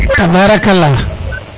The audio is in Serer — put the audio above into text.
tabarakala